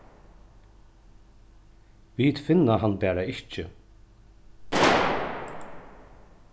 vit finna hann bara ikki